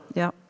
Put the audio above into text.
ja.